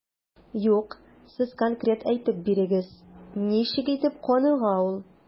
Юк, сез конкрет әйтеп бирегез, ничек итеп каныга ул?